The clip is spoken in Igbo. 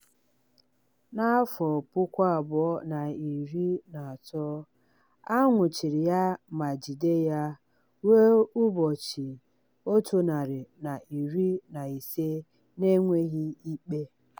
Na 2013, a nwụchiri ya ma jide ya ruo ụbọchị 115 na-enweghị ikpe.